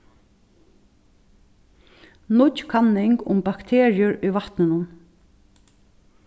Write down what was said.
nýggj kanning um bakteriur í vatninum